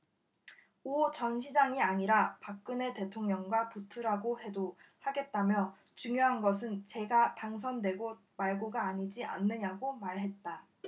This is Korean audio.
오 전 시장이 아니라 박근혜 대통령과 붙으라고 해도 하겠다며 중요한 것은 제가 당선되고 말고가 아니지 않느냐고 말했다